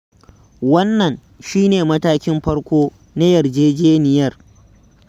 Wannan shi ne matakin farko na yarjejeniyar.